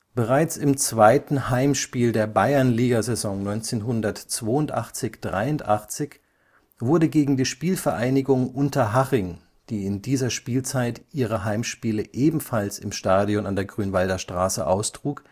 Bereits im zweiten Heimspiel der Bayernligasaison 1982 / 83 wurde gegen die SpVgg Unterhaching, die in dieser Spielzeit ihre Heimspiele ebenfalls im Stadion an der Grünwalder Straße austrug